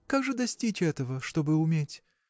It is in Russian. – Как же достичь этого, чтобы уметь?